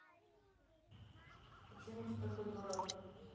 почему ты такой дурак